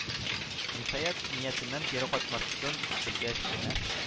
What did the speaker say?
Ниһаять, ниятеннән кире кайтмасын белгәч кенә,